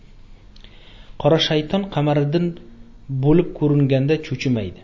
qora shayton kamariddin bo'lib ko'ringanda chuchimaydi